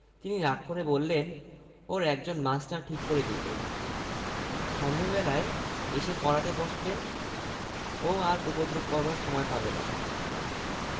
তিনি রাগ করে বললেন ওর একজন মাস্টার ঠিক করে দিতে সন্ধ্যেবেলায় এসে পড়াতে বসবেন ও আর উপদ্রব করবার সময় পাবে না